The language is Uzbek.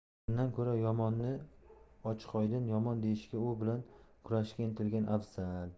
bundan ko'ra yomonni ochiqoydin yomon deyishga u bilan kurashishga intilgan afzal